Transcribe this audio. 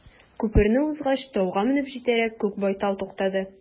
Күперне узгач, тауга менеп җитәрәк, күк байтал туктады.